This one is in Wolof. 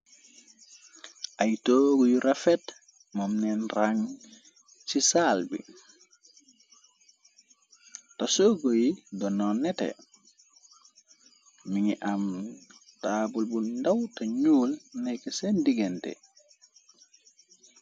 Ay toogu yu rafet moom leen rang ci saal bi te toggu yi donoo nete mi ngi am taabul bu ndaw te ñuul nekk seen digante.